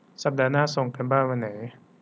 สัปดาห์หน้าส่งการบ้านวันไหน